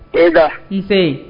Eenza, un see!